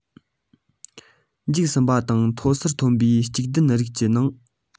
འཇིག ཟིན པ དང མཐོ སར ཐོན པའི སྐྱུག ལྡད རིགས ཀྱི ནང